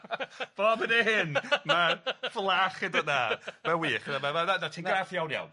Bob hyn a hyn ma'r fflach yn dod, na ma'n wych na ti'n graff iawn iawn.